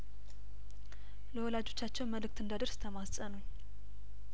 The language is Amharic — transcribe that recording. ለወላጆቻቸው መልእክት እንዳደርስ ተማጸኑኝ